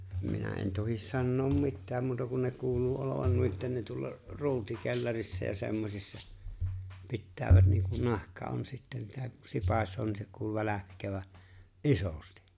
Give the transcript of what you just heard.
minä en tohdi sanoa mitään muuta kun ne kuuluu olevan noiden ne tuolla ruutikellarissa ja semmoisissa pitävät niin kuin nahka on sitten sitä kun sipaisee niin se kuuluu välkkyvän isosti